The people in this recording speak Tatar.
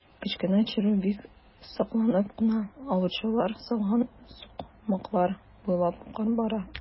Кечкенә чирү бик сакланып кына аучылар салган сукмаклар буйлап бара.